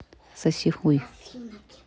соси хуй